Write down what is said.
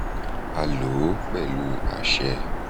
A lò ó pẹ̀lú àṣẹ.